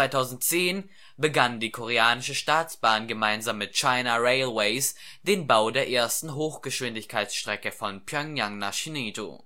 2010 begann die Koreanische Staatsbahn gemeinsam mit China Railways den Bau der ersten Hochgeschwindigkeitsstrecke von Pjöngjang nach Sinŭiju